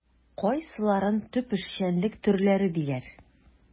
Кайсыларын төп эшчәнлек төрләре диләр?